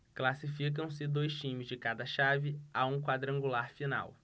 classificam-se dois times de cada chave a um quadrangular final